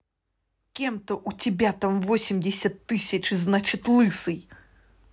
кем то у тебя там восемьдесят тысяч значит лысый